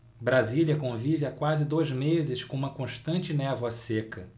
brasília convive há quase dois meses com uma constante névoa seca